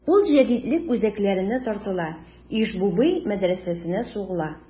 Ул җәдитлек үзәкләренә тартыла: Иж-буби мәдрәсәсенә сугыла.